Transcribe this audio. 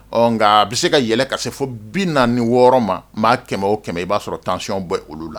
Ɔ nka a bɛ se kaɛlɛn ka se fo bi naani ni wɔɔrɔ ma maa kɛmɛ o kɛmɛ i b'a sɔrɔ tancyɔn bɔ olu la